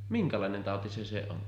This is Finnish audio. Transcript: minkälainen tauti se se on